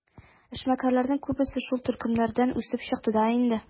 Эшмәкәрләрнең күбесе шул төркемнәрдән үсеп чыкты да инде.